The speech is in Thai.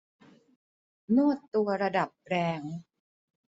นวดตัวระดับแรง